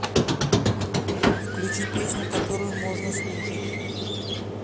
включить песню которую можно слушать